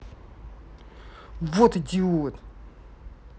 вот идиот